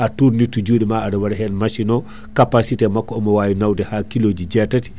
a tourne nirtou juuɗe ma ava wava hen machine o capacité makko omo nawde ha kiloji jeetati